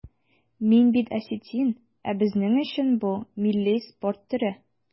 Мин бит осетин, ә безнең өчен бу милли спорт төре.